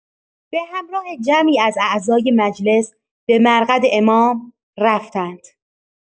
به همراه جمعی از اعضای مجلس به مرقد امام رفتند.